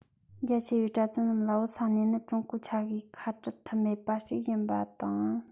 རྒྱ ཆེ བའི གྲྭ བཙུན རྣམས ལ བོད ས གནས ནི ཀྲུང གོའི ཆ ཤས ཁ བྲལ ཐབས མེད པ ཞིག ཡིན པ དང